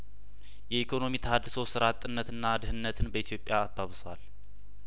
የኢኮኖሚ ተሀድሶ ስራ አጥነትና ድህነትን በኢትዮጵያ አባብሷል